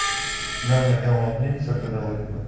sinalmagan otning sirtidan o'tma